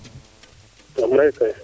jam rek kay